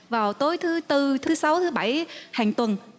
vào tối thứ tư thứ sáu thứ bảy hàng tuần